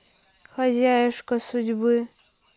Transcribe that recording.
хозяюшка судьбы